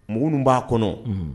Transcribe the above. Mɔgɔ minnu b'a kɔnɔ.